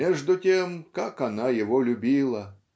Между тем как она его любила!